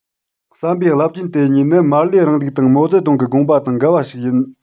བསམ པའི རླབས རྒྱུན དེ གཉིས ནི མར ལེའི རིང ལུགས དང མའོ ཙེ ཏུང གི དགོངས པ དང འགལ བ ཞིག ཡིན